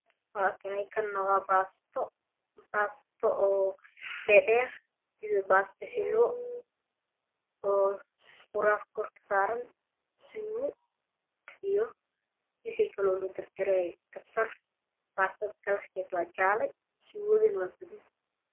Wakanaa kane waa baasto dhedheer basto xilwo oo qoraac kurkasaaran suugo iyo wixii kurloogadardarayaye iyo kabsarcaley bastada kalarkeda waa jaalo iyo suugo gudoodah